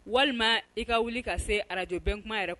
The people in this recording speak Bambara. Walima i ka wuli ka se arajbɛntuma yɛrɛ